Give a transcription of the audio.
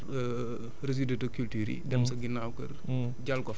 yu nga xamante ne dañuy dem rek jël matière résidus de culture yi